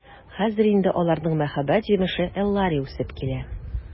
Хәзер инде аларның мәхәббәт җимеше Эллари үсеп килә.